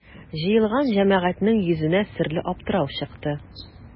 Җыелган җәмәгатьнең йөзенә серле аптырау чыкты.